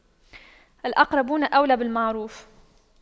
الأقربون أولى بالمعروف